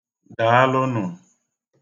Daalụnụ!